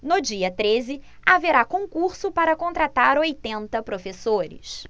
no dia treze haverá concurso para contratar oitenta professores